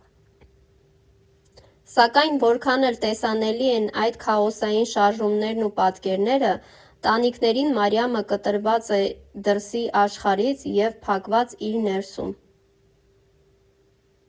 Սակայն որքան էլ տեսանելի են այդ քաոսային շարժումներն ու պատկերները, տանիքներին Մարիամը կտրված է դրսի աշխարհից և փակված իր ներսում։